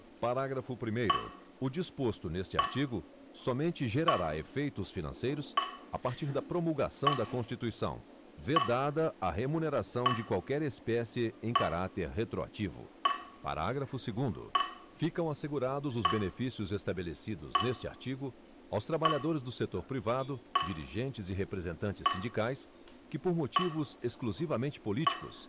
parágrafo primeiro o disposto neste artigo somente gerará efeitos financeiros a partir da promulgação da constituição vedada a remuneração de qualquer espécie em caráter retroativo parágrafo segundo ficam assegurados os benefícios estabelecidos neste artigo aos trabalhadores do setor privado dirigentes e representantes sindicais que por motivos exclusivamente políticos